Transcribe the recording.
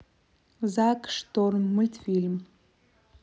зак шторм мультфильм